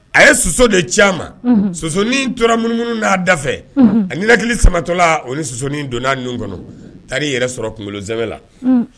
A ye soso de ci ma sosonin toramummunua dafɛ ani la hakili samatɔla o ni sosonin donna ninnu kɔnɔ taa i yɛrɛ sɔrɔ kunkolo z la